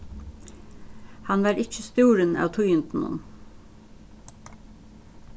hann var ikki stúrin av tíðindunum